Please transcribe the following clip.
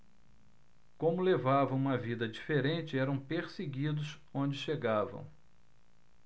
como levavam uma vida diferente eram perseguidos onde chegavam